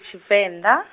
-shivenda.